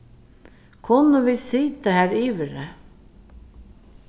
kunnu vit sita har yviri